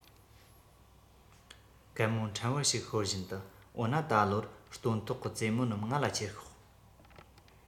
གད མོ ཕྲན བུ ཞིག ཤོར བཞིན དུ འོ ན ད ལོར སྟོན ཐོག གི ཙེ མོ རྣམས ང ལ ཁྱེར ཤོག